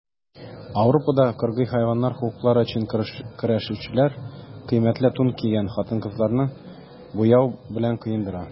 Ауропада кыргый хайваннар хокуклары өчен көрәшүчеләр кыйммәтле тун кигән хатын-кызларны буяу белән коендыра.